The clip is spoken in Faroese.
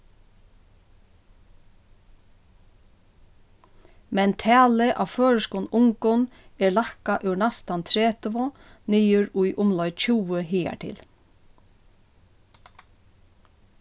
men talið á føroyskum ungum er lækkað úr næstan tretivu niður í umleið tjúgu higartil